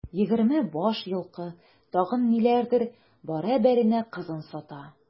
Егерме баш елкы, тагын ниләрдер бәрабәренә кызын сата.